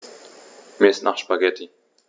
Mir ist nach Spaghetti.